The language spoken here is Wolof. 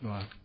waaw